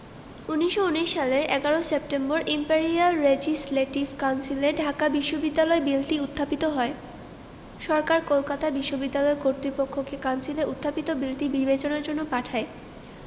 ১৯১৯ সালের ১১ September imperial legislative কাউন্সিলে ঢাকা বিশ্ববিদ্যালয় বিলটি উত্থাপিত হয় সরকার কলকাতা বিশ্ববিদ্যালয় কর্তৃপক্ষকে কাউন্সিলে উত্থাপিত বিলটি বিবেচনার জন্য পাঠায়